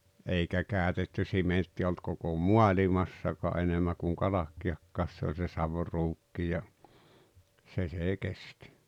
eikä käytetty sementtiä ollut koko maailmassakaan enemmän kuin kalkkiakaan se oli se saviruukki ja se se kesti